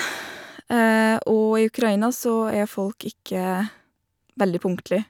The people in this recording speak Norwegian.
Og i Ukraina så er folk ikke veldig punktlig.